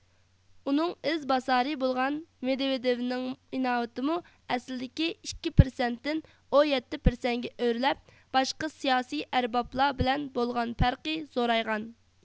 ئۇنىڭ ئىز باسارى بولغان مېدۋېدېۋنىڭ ئىناۋىتىمۇ ئەسلىدىكى ئىككى پىرسەنتتىن ئون يەتتە پىرسەنتكە ئۆرلەپ باشقا سىياسىي ئەربابلار بىلەن بولغان پەرقى زورايغان